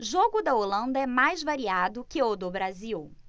jogo da holanda é mais variado que o do brasil